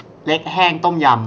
เล็กแห้งต้มยำ